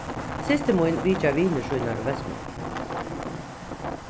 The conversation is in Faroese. systir mín vitjar vinir sínar í vestmanna